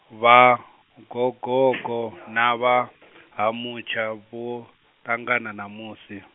vha Gogogo na vha Ha Mutsha vho, ṱangana ṋamusi.